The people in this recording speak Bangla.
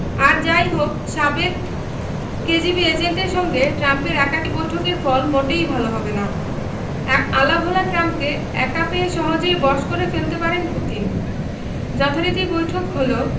আর যা ই হোক সাবেক কেজিবি এজেন্টের সঙ্গে ট্রাম্পের একাকী বৈঠকের ফল মোটেই ভালো হবে না আলাভোলা ট্রাম্পকে একা পেয়ে সহজেই বশ করে ফেলতে পারেন পুতিন যথারীতি বৈঠক হলো